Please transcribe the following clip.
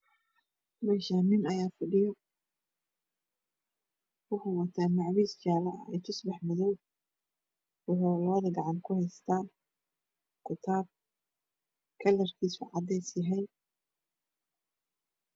Halkan waa fadhiyo nin dharka kalar kisi waa jale iyo qalin waxow gacant kuhaya kutab kalar kiisa cades yahay